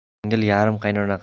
qayinsingil yarim qaynona